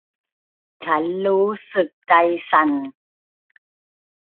ฉันรู้สึกใจสั่น